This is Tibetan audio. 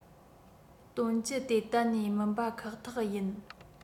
དོན སྤྱི དེ གཏན ནས མིན པ ཁག ཐག ཡིན